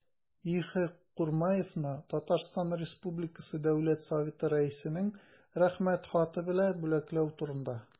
И.Х. Курмаевны Татарстан республикасы дәүләт советы рәисенең рәхмәт хаты белән бүләкләү турында